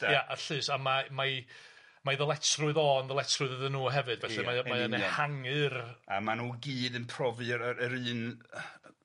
Ia. A'r llys a ma' mae mae ddyletsrwydd o yn ddyletsrwydd iddyn nhw hefyd felly mae o mae o'n ehangu'r... A ma' nw gyd yn profi'r yr yr un